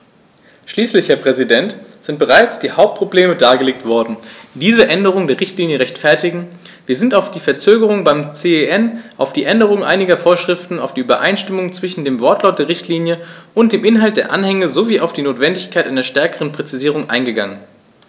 Schließlich, Herr Präsident, sind bereits die Hauptprobleme dargelegt worden, die diese Änderung der Richtlinie rechtfertigen, wir sind auf die Verzögerung beim CEN, auf die Änderung einiger Vorschriften, auf die Übereinstimmung zwischen dem Wortlaut der Richtlinie und dem Inhalt der Anhänge sowie auf die Notwendigkeit einer stärkeren Präzisierung eingegangen.